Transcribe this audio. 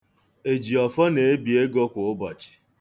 Ejiọfọ na-ebi ego kwa ụbọchị.